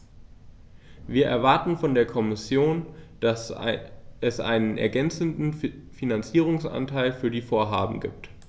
Wir erwarten von der Kommission, dass es einen ergänzenden Finanzierungsanteil für die Vorhaben gibt.